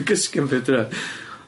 ...gysgu am pump diwrnod.